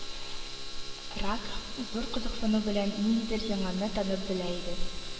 Рак, зур кызыксыну белән, ниндидер яңаны танып белә иде